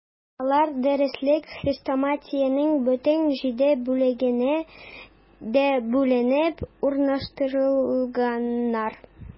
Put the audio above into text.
Алар дәреслек-хрестоматиянең бөтен җиде бүлегенә дә бүленеп урнаштырылганнар.